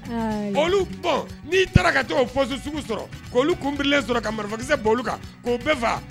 N' taarab sɔrɔ ka marifakisɛ kan